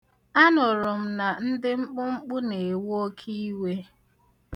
Anụrụ m na ndị mkpụmkpụ na-ewe oke iwe.